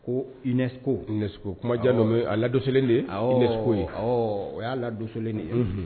Ko iinɛse kumajan ladonse deko ye o y'a ladonsolen de